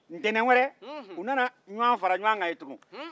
ntɛnɛn wɛrɛ u nana fara ɲɔgɔn kan yen tugun